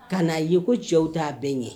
Ka na ye ko cɛw t'a bɛɛ ɲɛ.